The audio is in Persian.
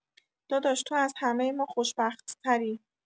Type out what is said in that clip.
داداش تو از همه ما خوشبخت‌تری